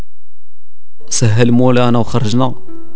سهل مولانا وخرجنا